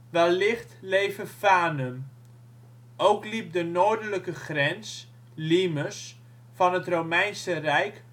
wellicht Levefanum. Ook liep de noordelijke grens (limes) van het Romeinse Rijk